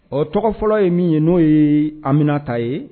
Ɔ tɔgɔ fɔlɔ ye min ye n'o yee Aminata ye